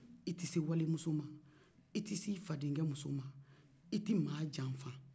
i tɛ se walimuso ma i tɛ s'i fadenkɛ muso ma i tɛ maa janfa